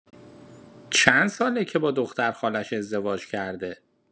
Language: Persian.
چند ساله که با دختر خالش ازدواج کرده